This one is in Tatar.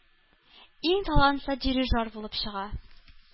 Иң талантлы “дирижер” булып чыга.